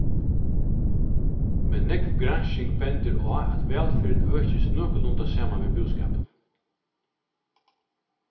men nógv gransking bendir á at vælferðin økist nøkulunda saman við búskapinum